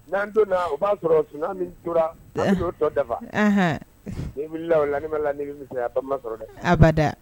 N'an to o b'a sɔrɔ sun min tora dɔ dafa i wulila o lamimala la ne bɛ miya sɔrɔ dɛ abada